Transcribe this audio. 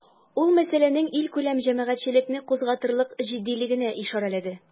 Ул мәсьәләнең илкүләм җәмәгатьчелекне кузгатырлык җитдилегенә ишарәләде.